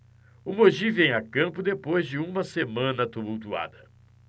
o mogi vem a campo depois de uma semana tumultuada